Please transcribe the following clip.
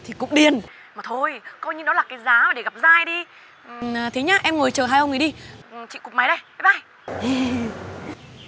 thì cũng điên mà thôi coi như nó là cái giá để gặp giai ừ thế nhá em ngồi chờ hai ông ý đi chị cụp máy đây bái bai hì hì hì